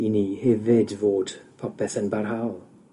i ni hefyd fod popeth yn barhaol.